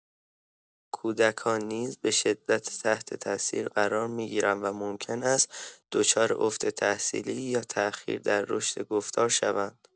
کودکان نیز به‌شدت تحت‌تأثیر قرار می‌گیرند و ممکن است دچار افت تحصیلی یا تأخیر در رشد گفتار شوند.